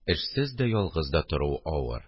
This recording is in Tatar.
Эшсез дә, ялгыз да торуы авыр